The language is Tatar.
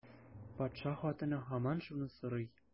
Патша хатыны һаман шуны сорый.